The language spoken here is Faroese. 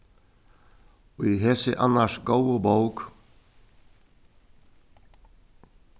í hesi annars góðu bók